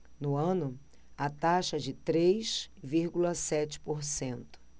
no ano a taxa é de três vírgula sete por cento